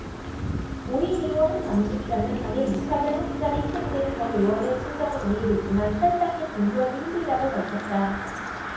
모임 이후 한 당직자는 당의 무차별 학살에 희생된 전 의원의 심정은 이해되지만 탈당에 동조하기 힘들다고 밝혔다